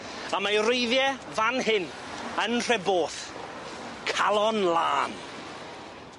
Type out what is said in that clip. A mae y wreiddie fan hyn yn Nhreboth calon lân.